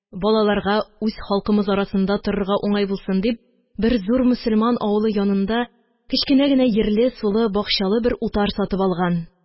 Балаларга үз халкымыз арасында торырга уңай булсын дип, бер зур мөселман авылы янында кечкенә генә йирле, сулы, бакчалы бер утар сатып алган.